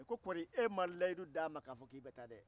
a ko kɔri e ma layidu di a ma k'a fɔ k'i bɛ taa dɛ